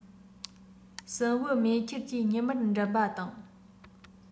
སྲིན བུ མེ ཁྱེར གྱིས ཉི མར འགྲན པ དང